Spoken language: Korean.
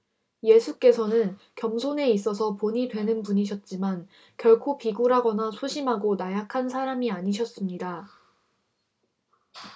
예수께서는 겸손에 있어서 본이 되는 분이셨지만 결코 비굴하거나 소심하고 나약한 사람이 아니셨습니다